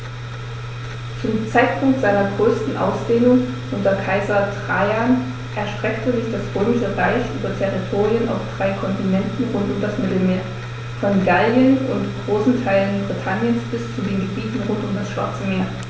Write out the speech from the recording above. Zum Zeitpunkt seiner größten Ausdehnung unter Kaiser Trajan erstreckte sich das Römische Reich über Territorien auf drei Kontinenten rund um das Mittelmeer: Von Gallien und großen Teilen Britanniens bis zu den Gebieten rund um das Schwarze Meer.